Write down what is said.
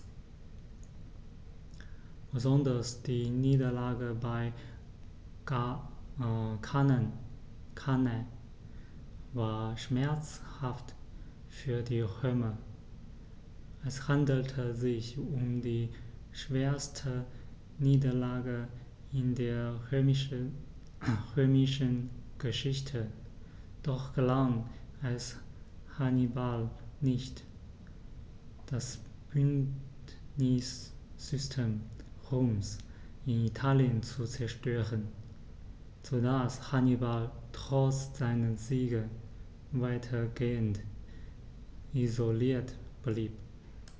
Besonders die Niederlage bei Cannae war schmerzhaft für die Römer: Es handelte sich um die schwerste Niederlage in der römischen Geschichte, doch gelang es Hannibal nicht, das Bündnissystem Roms in Italien zu zerstören, sodass Hannibal trotz seiner Siege weitgehend isoliert blieb.